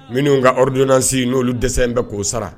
Minnu ka rudansin n'olu dɛsɛ in bɛɛ k'o sara